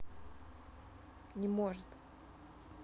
не может